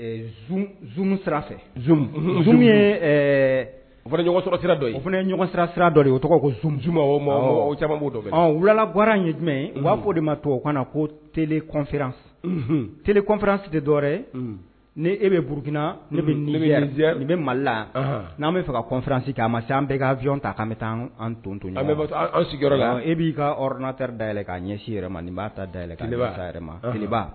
Sira o fana ɲɔgɔn sira sira o tɔgɔ ko z zuma o fɛ wulalawa ye jumɛn u b'a fɔo de ma to o kana ko t tsi de dɔwɛrɛ ni e bɛ burukina ne bɛ bɛ mali la n'an bɛ fɛ karansi ta a ma se an bɛɛ ka vyɔn ta an bɛ taa an to e b'i kata dayɛlɛn k' ɲɛ si yɛrɛ ma nin b'a ta da yɛlɛ ma